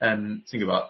yn ti'n gybod